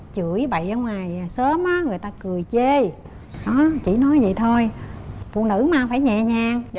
chửi bậy ở ngoài sớm á người ta cười chê á chỉ nói vậy thôi phụ nữ mà phải nhẹ nhàng